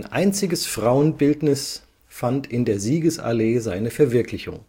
einziges Frauenbildnis fand in der Siegesallee seine Verwirklichung